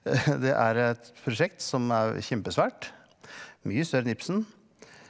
det er et prosjekt som er kjempesvært mye større enn Ibsen.